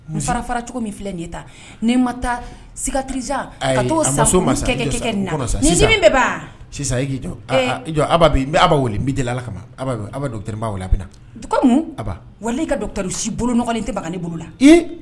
Muso farara cogo min filɛ nin ta n' ma taa siiga kiri ka taa sa sisan i k' jɔ bi kama' la bɛ wali i ka ta si bolo nɔgɔin tɛ ne bolo la